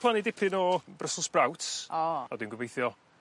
plannu dipyn o brussel sprouts. O! A dwi'n gobeithio